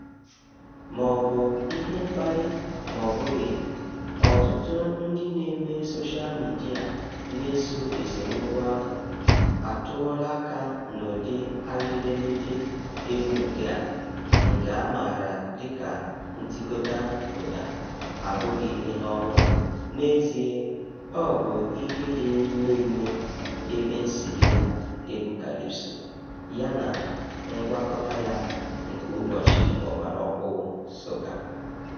Ma ọ bu ihe mkpali ma ọ bughị, ọtụtụ ndị na-eme soshaa midịa na-eso esemookwu ahu atụọla aka n'ụdị agha edemede egwu nke a (nke a maara dịka "ntikọta ụda") abụghị ihe ọhụrụ; n'ezie, ọ bụ ihe dị n'ime ime ebensibịa egwu kalịpso, ya na ngwakọta ya nke ụbochị ọgbara ọhụụ, sọka.